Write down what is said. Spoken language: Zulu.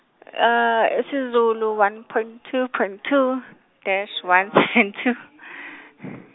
isiZulu one point two point two, dash one seven two .